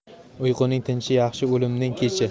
uyquning tinchi yaxshi o'limning kechi